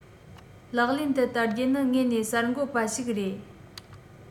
ལག ལེན དུ བསྟར རྒྱུ ནི དངོས གནས གསར འགོད པ ཞིག རེད